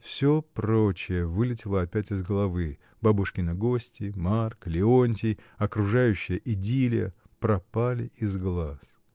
Всё прочее вылетело опять из головы: бабушкины гости, Марк, Леонтий, окружающая идиллия — пропали из глаз.